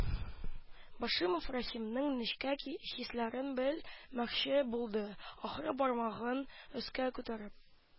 Ьашимов Рәхимнең нечкә хисләрен бел мәкче булды, ахры, бармагын өскә күтәреп: